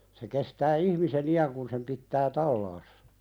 se kestää ihmisen iän kun sen pitää talaassa